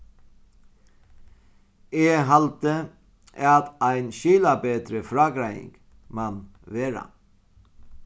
eg haldi at ein skilabetri frágreiðing man vera